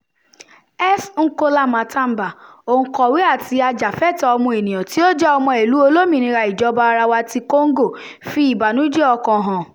S. Nkola Matamba, òǹkọ̀wé àti ajàfẹ́tọ̀ọ́ ọmọnìyan tí ó jẹ́ ọmọ Ìlú Olómìnira Ìjọba ara wa ti Congo, fi ìbánújẹ́ ọkàn hàn: